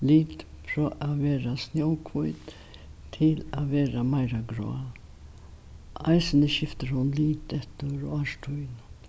lit frá at vera snjóhvít til at vera meira grá eisini skiftir hon lit eftir árstíðum